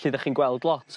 'Lly 'dach chi'n gweld lot...